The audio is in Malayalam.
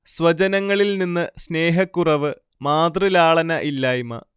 സ്വജനങ്ങളിൽ നിന്ന് സ്നേഹക്കുറവ്, മാതൃലാളന ഇല്ലായ്മ